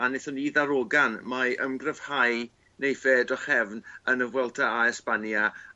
a nethon ni ddarogan mae ymgryfhau neiff e drachefn yn Vuelta a Espania